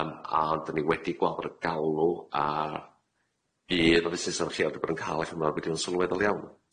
Yym a dyn ni wedi gweld yr galw a bydd y fusnese lleol wedi bod yn ca'l sylweddol iawn.